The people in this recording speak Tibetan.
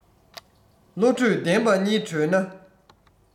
བློ གྲོས ལྡན པ གཉིས བགྲོས ན